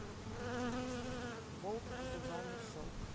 волк зубами щелк